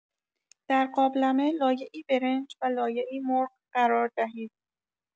در قابلمه، لایه‌ای برنج و لایه‌ای مرغ قرار دهید.